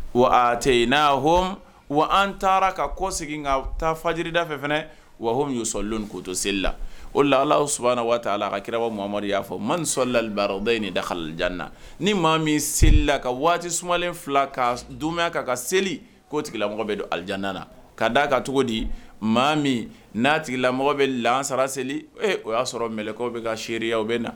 Wa atɛ n' h wa an taara ka kɔ segin ka taa fajida fɛ fana wa min y' sɔlon ko to selila o la ala sumana waati ala ka kira mamari y'a fɔ ma sɔli lali bɛɛ ye nin da kaljanina ni maa min selila ka waati sumalen fila ka dumya kan ka seli ko tigilamɔgɔ bɛ don alijanana ka d da a ka cogo di maa min'a tigilamɔgɔ bɛ lasara seli o y'a sɔrɔ mlɛkaw bɛ ka seereya o bɛ na